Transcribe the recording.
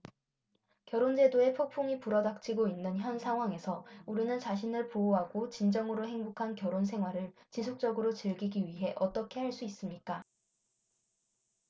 결혼 제도에 폭풍이 불어 닥치고 있는 현 상황에서 우리는 자신을 보호하고 진정으로 행복한 결혼 생활을 지속적으로 즐기기 위해 어떻게 할 수 있습니까